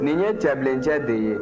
nin ye cɛbilencɛ de ye